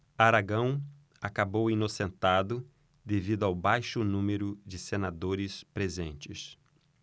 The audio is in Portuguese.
aragão acabou inocentado devido ao baixo número de senadores presentes